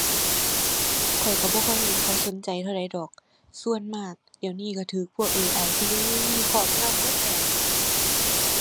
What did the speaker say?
ข้อยก็บ่ค่อยเห็นเขาสนใจเท่าใดดอก ส่วนมาก เดี๋ยวนี้ก็ก็พวก AI เทคโนโลยีครอบงำก็แล้ว